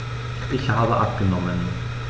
Ich habe abgenommen.